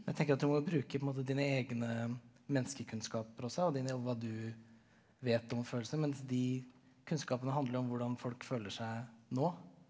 jeg tenker at du må bruke på en måte dine egne menneskekunnskaper også og dine og hva du vet om følelser, mens de kunnskapene handler om hvordan folk føler seg nå.